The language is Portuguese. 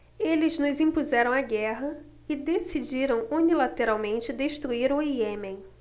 eles nos impuseram a guerra e decidiram unilateralmente destruir o iêmen